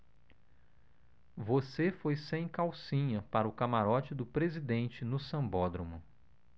você foi sem calcinha para o camarote do presidente no sambódromo